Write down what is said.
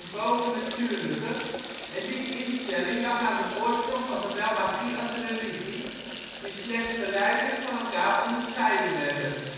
bovennatuurlijke, en die instelling lag aan de oorsprong van zowel magie als religie, die slechts geleidelijk van elkaar onderscheiden werden